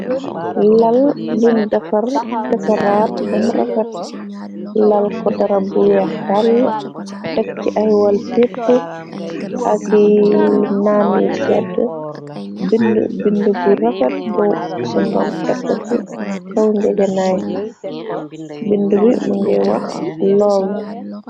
Lal buñ eadefaraat bamu rafat lal ko darab bu weex tàll tek ci aywal pépp aky naan yu sedd bind bu rafat bo singom epta ci kow njegenaay bind bi më ngay wax loow bi.